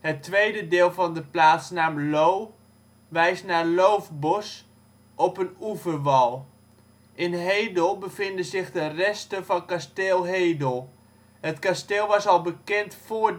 Het tweede deel van de plaatsnaam ' lo ' verwijst naar loofbos op een oeverwal. In Hedel bevinden zich de resten van kasteel Hedel. Het kasteel was al bekend voor